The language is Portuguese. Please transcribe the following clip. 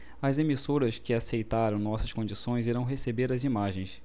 as emissoras que aceitaram nossas condições irão receber as imagens